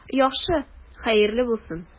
Яхшы, хәерле булсын.